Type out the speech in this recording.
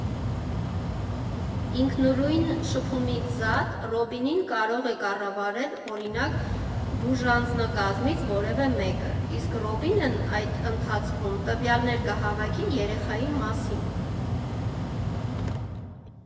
Ինքնուրույն շփումից զատ՝ Ռոբինին կարող է կառավարել, օրինակ՝ բուժանձնակազմից որևէ մեկը, իսկ Ռոբինն այդ ընթացքում տվյալներ կհավաքի երեխայի մասին։